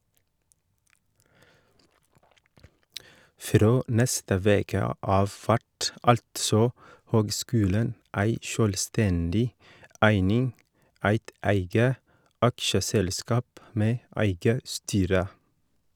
Frå neste veke av vert altså høgskulen ei sjølvstendig eining, eit eige aksjeselskap med eige styre.